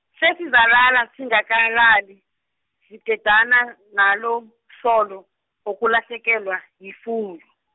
sezilala zingakalali, zigadane nalomhlolo, wokulahlekelwa, yifuyo.